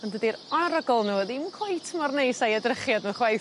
Ond dydi'r arogl a'ny fo ddim cweit mor neis a'i edrychiad yn chwaith.